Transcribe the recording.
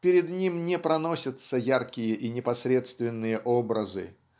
перед ним не проносятся яркие и непосредственные образы.